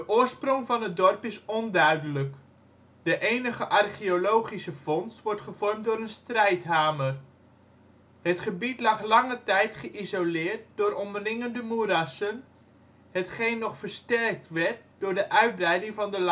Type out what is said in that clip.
oorsprong van het dorp is onduidelijk. De enige archeologische vondst wordt gevormd door een strijdhamer. Het gebied lag lange tijd geïsoleerd door omringende moerassen, hetgeen nog versterkt werd door de uitbreiding van de